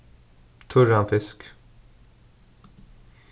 turran fisk